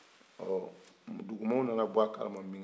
ɔ dugumɔgɔw nana bɔ a kalama min gɛ